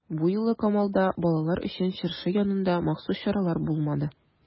Бу юлы Камалда балалар өчен чыршы янында махсус чаралар булмады.